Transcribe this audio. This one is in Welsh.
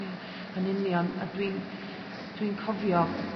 Ie [anadl] yn union a dwi'n [anadl] dwi'n cofio